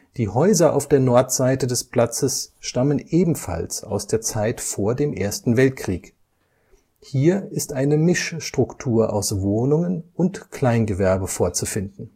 Die Häuser auf der Nordseite des Platzes stammen ebenfalls aus der Zeit vor dem Ersten Weltkrieg, hier ist eine Mischstruktur aus Wohnungen und Kleingewerbe vorzufinden